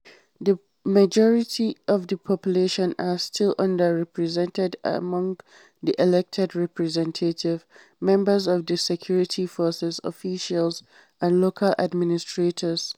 The majority of the population are still under-represented among the elected representatives, members of the security forces, officials and local administrators.